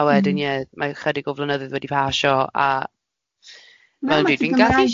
A wedyn, ie, mae ychydig o flynyddoedd wedi pasio, a... Na mae dy Gymrae- ...wedyn dwi'n gaddu sh-.